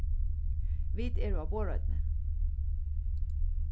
vit eru á borðoynni